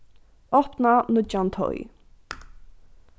opna nýggjan teig